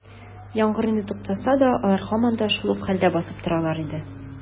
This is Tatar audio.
Яңгыр инде туктаса да, алар һаман да шул ук хәлдә басып торалар иде.